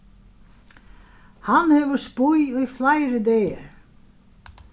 hann hevur spýð í fleiri dagar